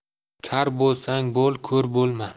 kar bo'lsang bo'l ko'r bo'lma